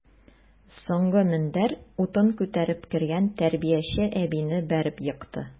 Соңгы мендәр утын күтәреп кергән тәрбияче әбине бәреп екты.